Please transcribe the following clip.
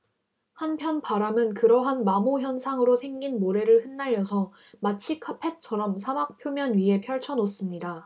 한편 바람은 그러한 마모 현상으로 생긴 모래를 흩날려서 마치 카펫처럼 사막 표면 위에 펼쳐 놓습니다